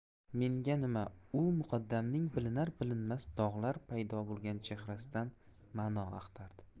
menga nima u muqaddamning bilinar bilinmas dog'lar paydo bo'lgan chehrasidan ma'no axtardi